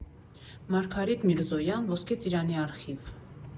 Մարգարիտ Միրզոյան Ոսկե ծիրանի արխիվ։